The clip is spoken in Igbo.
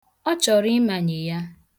Ọ chọrọ ịmanye ya.